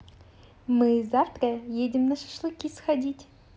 мы завтра едем на шашлыки сходить